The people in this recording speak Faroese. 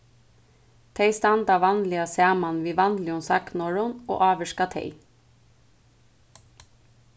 tey standa vanliga saman við vanligum sagnorðum og ávirka tey